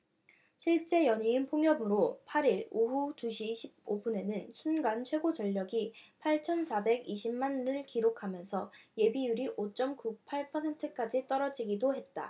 실제 연이은 폭염으로 팔 일 오후 두 시 십 오 분에는 순간 최고전력이 팔천 사백 이십 만 를 기록하면서 예비율이 오 쩜 구 팔 퍼센트까지 떨어지기도 했다